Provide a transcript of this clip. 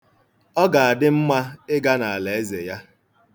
Ọ ga-adị mma ịga n'alaeze ya.